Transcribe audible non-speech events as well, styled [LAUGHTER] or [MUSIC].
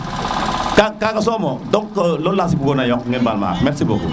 ka [HESITATION] kaga somo donc lolu lasi bugoona yok ngen bal ma ak merci beaucoup